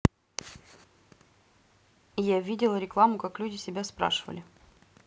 я видела рекламу как люди себя спрашивали